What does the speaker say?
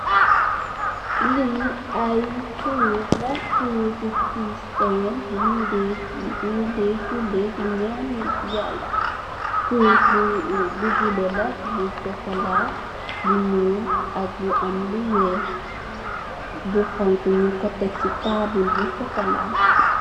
Le ai kurus la. Kurusi christien lun thy julay si nan yalla kurus bu bolo la bu sokola bu ñuul bu ak bu am lu weex bu honha nyu ko tek si table bu sokola.